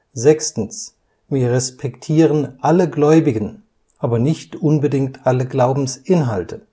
Wir respektieren alle Gläubigen, aber nicht unbedingt alle Glaubensinhalte